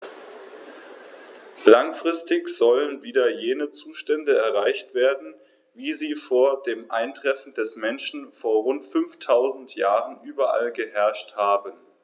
Langfristig sollen wieder jene Zustände erreicht werden, wie sie vor dem Eintreffen des Menschen vor rund 5000 Jahren überall geherrscht haben.